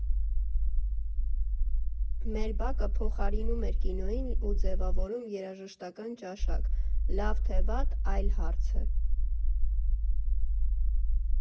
«Մեր բակը» փոխարինում էր կինոյին ու ձևավորում երաժշտական ճաշակ (լավ, թե վատ՝ այլ հարց է)։